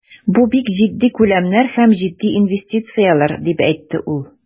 Бу бик җитди күләмнәр һәм җитди инвестицияләр, дип әйтте ул.